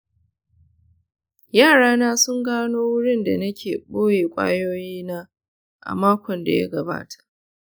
yarana sun gano wurin da nake ɓoye ƙwayoyina a makon da ya gabata.